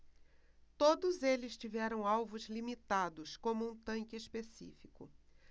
todos eles tiveram alvos limitados como um tanque específico